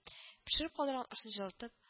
Пешереп калдырган ашны җылытып